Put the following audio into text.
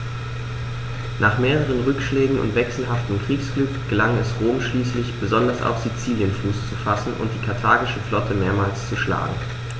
Nach mehreren Rückschlägen und wechselhaftem Kriegsglück gelang es Rom schließlich, besonders auf Sizilien Fuß zu fassen und die karthagische Flotte mehrmals zu schlagen.